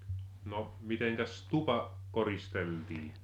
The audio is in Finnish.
no mitenkäs tupa koristeltiin